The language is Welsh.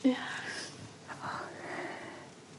Ia. 'Na fo.